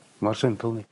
Mor simple a 'ny.